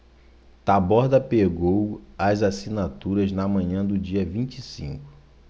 taborda pegou as assinaturas na manhã do dia vinte e cinco